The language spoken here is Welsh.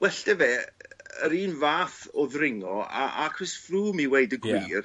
well 'dy fe yr un fath o ddringo a a Chris Froome weud y gwir.